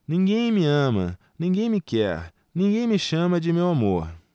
ninguém me ama ninguém me quer ninguém me chama de meu amor